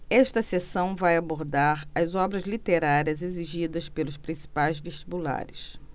esta seção vai abordar as obras literárias exigidas pelos principais vestibulares